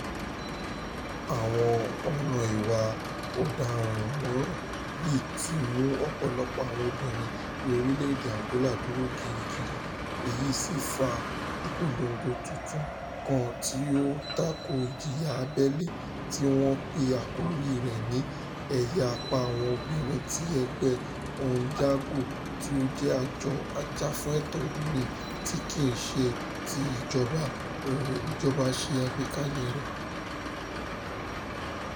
Àwọn ọ̀ràn ìwà ọ̀darànmọràn yìí ti mú ọ̀pọ̀lọpọ̀ àwọn obìnrin ní orílẹ̀-èdè Angola dúró gírígírí, èyí sì fa ìpolongo tuntun kan tí ó ń tako ìjìyà abẹ́lé tí wọ́n pe àkóríi rẹ̀ ní "Ẹ Yé é Pa àwọn Obìnrin" tí Ẹgbẹ́ Ondjango tí ó jẹ́ àjọ ajàfúnẹ̀tọ́ obìnrin tí kì í ṣe ti ìjọba ṣe àgbékalẹ̀ẹ rẹ̀.